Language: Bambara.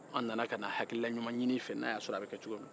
an nana ka na halinaɲuma ɲin'i fɛ n'a y'a sɔrɔ a bɛ kɛ cogo min